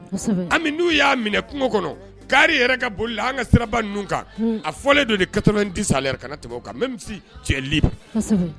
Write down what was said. Kosɛbɛ, Ami n'u y'a minɛ kungo kɔnɔ, car yɛrɛ ka boli la an ka siraba ninnu kan, unhun, a fɔlen don de 90 à l'heure kana tɛmɛ o kan même si tu es libre kosɛbɛ